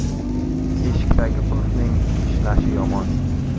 eshikdagi qulfning ishlashi yomon